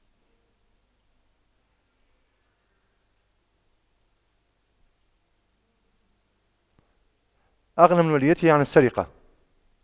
أغن من وليته عن السرقة